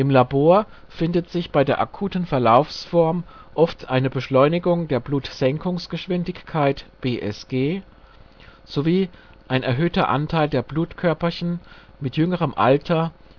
Labor findet sich bei der akuten Verlaufsform oft eine Erhöhung der Blutsenkungsgeschwindigkeit (BSG), sowie einen erhöhten Anteil der Blutkörperchen mit jüngerem Alter im Blutbildes